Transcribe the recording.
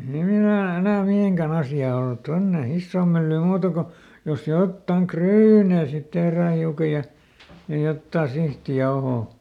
ei siinä enää enää mihinkään asiaa ollut tuonne isoon myllyyn muuta kuin jos jotakin ryynejä sitten tehdään hiukan ja ja jotakin sihtijauhoa